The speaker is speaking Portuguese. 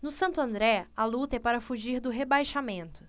no santo andré a luta é para fugir do rebaixamento